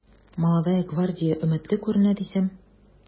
“молодая гвардия” өметле күренә дисәм...